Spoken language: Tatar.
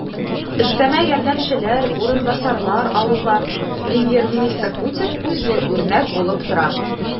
Өстәмә ярдәмчеләр, урынбасарлар алуга премьер-министр Путин үзе үрнәк булып тора.